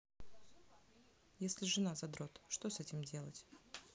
если жена задрот что с этим делать